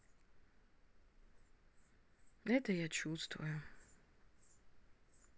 это я чувствую